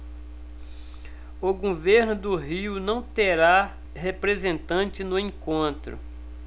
o governo do rio não terá representante no encontro